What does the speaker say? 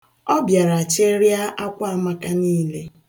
Ọ bịara chịrịa akwa Amaka niile.